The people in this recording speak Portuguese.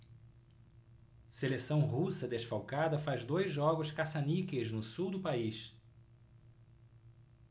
seleção russa desfalcada faz dois jogos caça-níqueis no sul do país